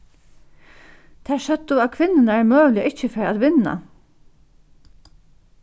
tær søgdu at kvinnurnar møguliga ikki fara at vinna